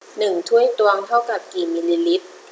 หนึ่งถ้วยตวงเท่ากับกี่มิลลิลิตร